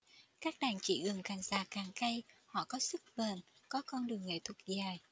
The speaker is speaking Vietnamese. các đàn chị gừng càng già càng cay họ có sức bền có con đường nghệ thuật dài